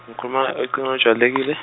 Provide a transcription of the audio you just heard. ng'khuluma ocingwe- olujwayelekile.